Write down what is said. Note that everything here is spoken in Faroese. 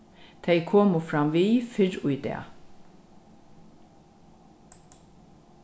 tey komu framvið fyrr í dag